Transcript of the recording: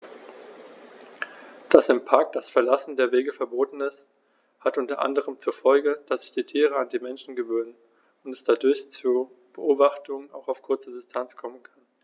Dass im Park das Verlassen der Wege verboten ist, hat unter anderem zur Folge, dass sich die Tiere an die Menschen gewöhnen und es dadurch zu Beobachtungen auch auf kurze Distanz kommen kann.